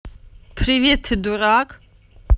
привет ты дурак